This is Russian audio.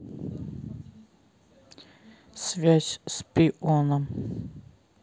связь с пионом